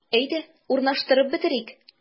Әйдә, урнаштырып бетерик.